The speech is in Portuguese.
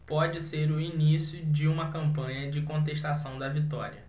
pode ser o início de uma campanha de contestação da vitória